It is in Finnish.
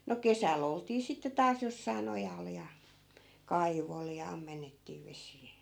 no kesällä oltiin sitten taas jossakin ojalla ja kaivolla ja ammennettiin vesiä